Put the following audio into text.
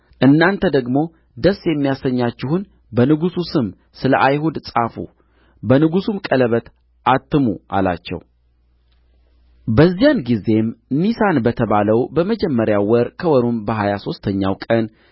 እናንተ ደግሞ ደስ የሚያሰኛችሁን በንጉሡ ስም ስለ አይሁድ ጻፉ በንጉሡም ቀለበት አትሙ አላቸው በዚያን ጊዜም ኒሳን በተባለው በመጀመሪያው ወር ከወሩም በሀያ ሦስተኛው ቀን